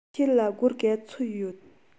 ཁྱེད ལ སྒོར ག ཚོད ཡོད